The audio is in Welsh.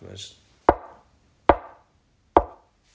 Ma' o jyst